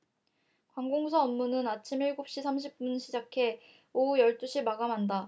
관공서 업무는 아침 일곱 시 삼십 분 시작해 오후 열 두 시 마감한다